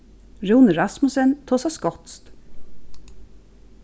rúni rasmussen tosar skotskt